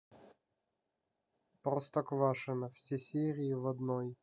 простоквашино все серии в одной